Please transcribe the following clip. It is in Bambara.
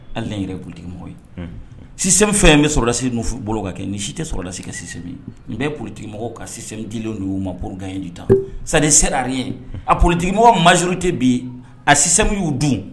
Hali n yɛrɛ politigimɔgɔ ye si fɛn bɛ sɔrɔlasi bolo ka kɛ ni si tɛ sɔrɔlasi kasi n bɛ politigimɔgɔ ka di'u ma porokanɲɛji ta sani se ye a politigimɔgɔ mauru tɛ bi a si y'u dun